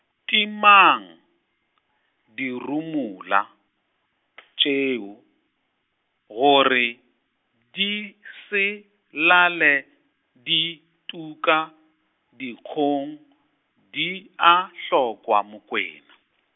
timang, dirumula , tšeo, gore, di, se, laele, di, tuka, dikgong, di, a hlokwa Mokwena.